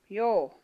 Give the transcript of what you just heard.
joo